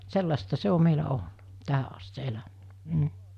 sellaista se on meillä ollut tähän asti se eläminen mm